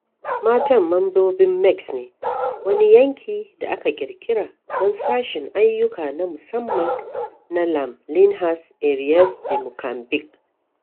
Matan mambobin MEX ne, wani yanki da aka ƙirƙira don Sashen Ayyukan na Musamman na LAM - Linhas Aereas de Mocambiƙue.